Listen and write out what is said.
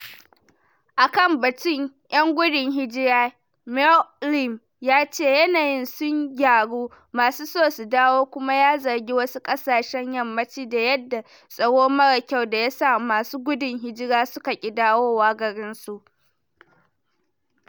Akan batun yan gudun hijira, Moualem ya ce yanayin sun gyaru masu so su dawo, kuma ya zargi “wasu ƙasashen yammaci” da “yada tsoro mara kyau” da yasa masu gudun hijira suka ƙi dawowa garinsu